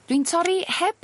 Dwi'n torri heb